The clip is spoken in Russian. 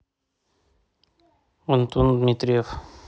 антон дмитриев